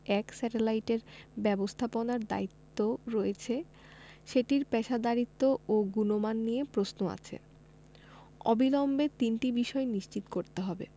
১ satellite এর ব্যবস্থাপনার দায়িত্ব রয়েছে সেটির পেশাদারিত্ব ও গুণমান নিয়ে প্রশ্ন আছে অবিলম্বে তিনটি বিষয় নিশ্চিত করতে হবে